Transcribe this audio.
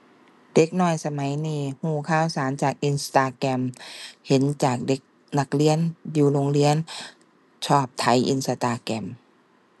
เด็กน้อยสมัยนี้รู้ข่าวสารจาก Instagram เห็นจากเด็กนักเรียนอยู่โรงเรียนชอบไถ Instagram